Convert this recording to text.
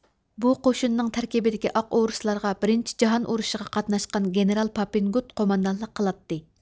بۇ قوشۇننىڭ تەركىبىدىكى ئاق ئورۇسلارغا بىرىنچى جاھان ئۇرۇشىغا قاتناشقان گېنېرال پاپىنگۇت قوماندانلىق قىلاتتى